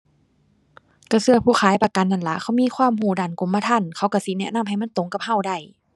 ก็ก็ผู้ขายประกันนั่นล่ะ เขามีความก็ด้านกรมธรรม์ เขาก็สิแนะนำให้มันตรงกับก็ได้ ⁠